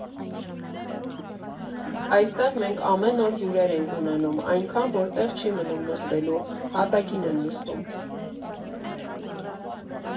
Այստեղ մենք ամեն օր հյուրեր ենք ունենում, այնքան, որ տեղ չի մնում նստելու, հատակին են նստում։